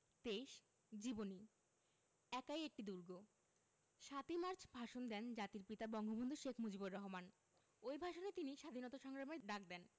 ২৩ জীবনী একাই একটি দুর্গ ৭ই মার্চ ভাষণ দেন জাতির পিতা বঙ্গবন্ধু শেখ মুজিবুর রহমান ওই ভাষণে তিনি স্বাধীনতা সংগ্রামের ডাক দেন